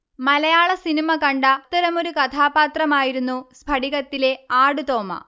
മലയാളസിനിമ കണ്ട അത്തരമൊരു കഥാപാത്രമായിരുന്നു 'സ്ഫടികത്തിലെ ആടുതോമ'